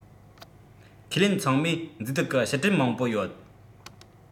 ཁས ལེན ཚང མས མཛེས སྡུག གི ཕྱིར དྲན མང པོ ཡོད